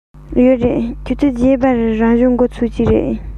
ཡོད རེད ཆུ ཚོད བརྒྱད པར རང སྦྱོང འགོ ཚུགས ཀྱི རེད